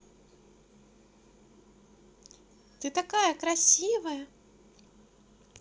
ты такая красивая